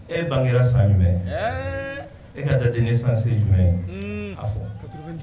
E bangera san jumɛn e ka da den ni sansen jumɛn ye a fɔ